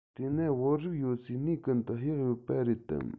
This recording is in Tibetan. དེ ན བོད རིགས ཡོད སའི གནས ཀུན ཏུ གཡག ཡོད པ རེད དམ